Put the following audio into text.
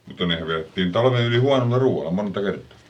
mutta nehän pidettiin talven yli huonolla ruualla monta kertaa